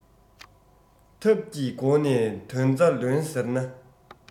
ཐབས ཀྱིས སྒོ ནས དོན རྩ ལོན ཟེར ན